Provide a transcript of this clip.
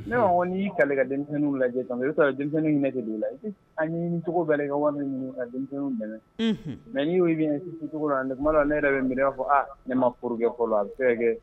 Ne n'i ka ka denmisɛnninw lajɛ i bɛ sɔrɔ denmisɛnnin nɛgɛ don' la ancogo bɛ ka waati ka denmisɛnninw dɛmɛ mɛ y bɛ kisicogo la kuma la ne yɛrɛ bɛ minɛ fɔ ne ma pjɛ fɔlɔ a bɛ se